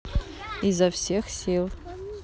изо всех сил